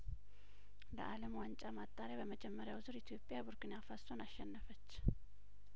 ለአለም ዋንጫ ማጣሪያ በመጀመሪያው ዙር ኢትዮጵያ ቡርኪናፋሶን አሸነፈች